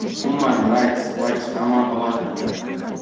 human righs watch hamon xavotirda